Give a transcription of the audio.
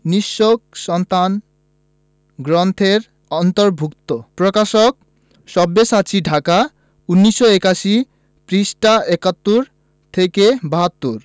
নিঃস্ব সন্তান গ্রন্থের অন্তর্ভুক্ত প্রকাশকঃ সব্যসাচী ঢাকা ১৯৮১ পৃষ্ঠাঃ ৭১ থেকে ৭২